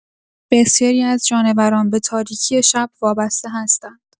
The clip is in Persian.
بسیاری از جانوران به تاریکی شب وابسته هستند.